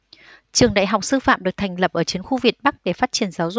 trường đại học sư phạm được thành lập ở chiến khu việt bắc để phát triển giáo dục